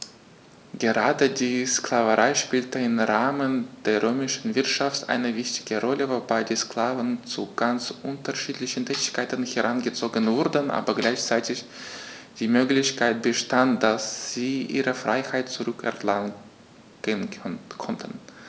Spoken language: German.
Gerade die Sklaverei spielte im Rahmen der römischen Wirtschaft eine wichtige Rolle, wobei die Sklaven zu ganz unterschiedlichen Tätigkeiten herangezogen wurden, aber gleichzeitig die Möglichkeit bestand, dass sie ihre Freiheit zurück erlangen konnten.